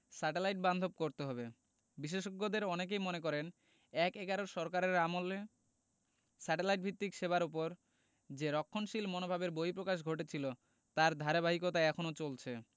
satellite বান্ধব করতে হবে বিশেষজ্ঞদের অনেকে মনে করেন এক–এগারোর সরকারের আমলে স্যাটেলাইট ভিত্তিক সেবার ওপর যে রক্ষণশীল মনোভাবের বহিঃপ্রকাশ ঘটেছিল তার ধারাবাহিকতা এখনো চলছে